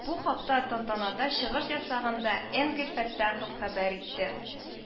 Бу хакта тантанада чыгыш ясаганда Энгель Фәттахов хәбәр итте